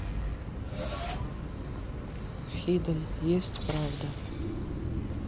hidden есть правда